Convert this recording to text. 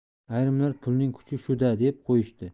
ayrimlar pulning kuchi shu da deb qo'yishdi